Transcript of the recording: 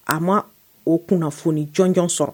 A ma o kunnafoni jɔnjɔn sɔrɔ.